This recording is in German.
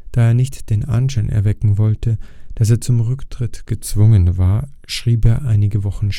er nicht den Anschein erwecken wollte, dass er zum Rücktritt gezwungen war, schrieb er einige Wochen